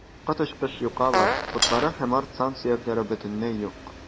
Коточкыч юкалар, ботлары һәм арт сан сөякләре бөтенләй юк.